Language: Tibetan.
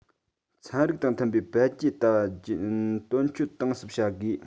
ཚན རིག དང མཐུན པའི འཕེལ རྒྱས ལྟ བ དོན འཁྱོལ གཏིང ཟབ བྱ དགོས